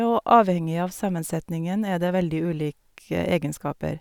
Og avhengig av sammensetningen er det veldig ulike egenskaper.